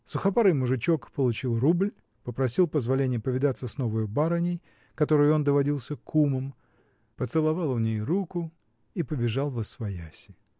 Сухопарый мужичок получил рубль, попросил позволенья повидаться с новою барыней, которой он доводился кумом, поцеловал у ней ручку и побежал восвояси.